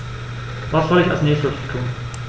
Was soll ich als Nächstes tun?